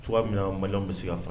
Tu min mali bɛ se ka faga